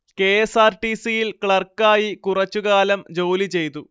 കെഎസ്ആർടിസിയിൽ ക്ലർക്കായി കുറച്ചു കാലം ജോലി ചെയ്തു